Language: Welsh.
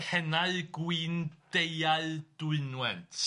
Cennau Gwindeiau Dwynwent.